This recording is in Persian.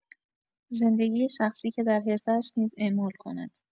زندگی شخصی، که در حرفه‌اش نیز اعمال کند.